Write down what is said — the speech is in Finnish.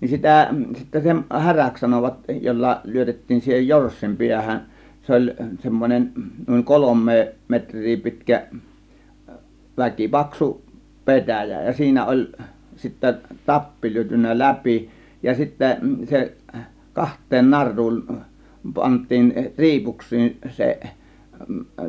niin sitä sitten sen häräksi sanoivat jolla lyötettiin siihen jorssin päähän se oli semmoinen noin kolme metriä pitkä väkipaksu petäjä ja siinä oli sitten tappi lyöty läpi ja sitten se kahteen naruun panttiin riipuksiin se